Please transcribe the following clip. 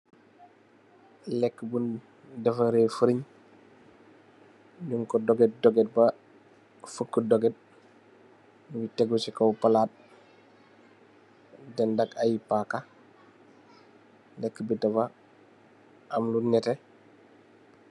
Lekka bu yi defarre foring, yu ko dugate dugate bee fooki dugate, mungi tekkui ci kaw palat denda ak ay pakka, lekka bi dafa am lu nete.